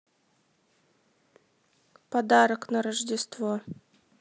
подарок на рождество